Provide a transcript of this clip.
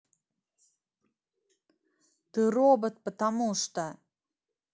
ты робот потому что